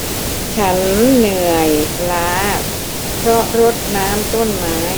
ฉันเหนื่อยล้าเพราะรดน้ำต้นไม้